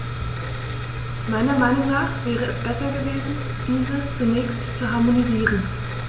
Meiner Meinung nach wäre es besser gewesen, diese zunächst zu harmonisieren.